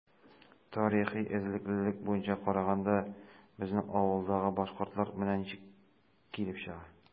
Тарихи эзлеклелек буенча караганда, безнең авылдагы “башкортлар” менә ничек килеп чыга.